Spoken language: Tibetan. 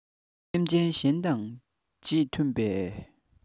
སེམས ཅན གཞན དང རྗེས མཐུན པའི